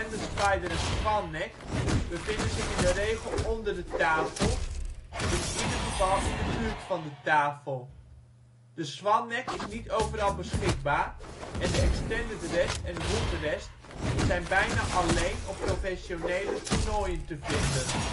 De spider, extended spider en swan neck bevinden zich in de regel onder de tafel, in ieder geval in de buurt van de tafel. De swan neck is niet overal beschikbaar, en de extended rest en hook rest zijn bijna alleen op professionele toernooien te vinden